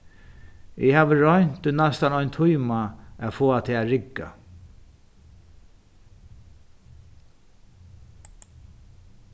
eg havi roynt í næstan ein tíma at fáa tað at rigga